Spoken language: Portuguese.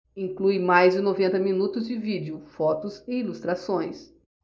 inclui mais de noventa minutos de vídeo fotos e ilustrações